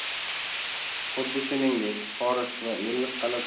xuddi shuningdek forish va ellikqal'a